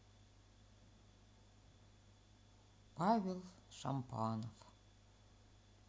павел шампанов